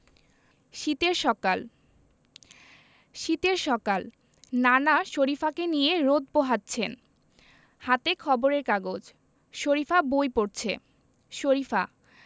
শীতের সকাল শীতের সকাল নানা শরিফাকে নিয়ে রোদ পোহাচ্ছেন হাতে খবরের কাগজ শরিফা বই পড়ছে শরিফা